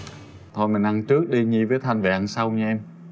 thôi mình ăn trước đi nhi với thanh về ăn sau nha em